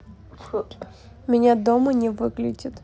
меня дома не выглядит